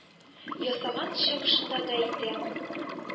Ясаган чыгышында да әйтә.